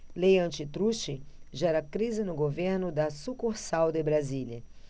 lei antitruste gera crise no governo da sucursal de brasília